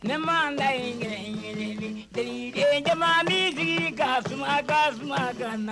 Ne ma bɛ b'i jigin ka sun ka suma ka na